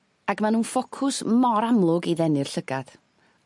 Ag ma' nw'n ffocws mor amlwg i ddenu'r llygad.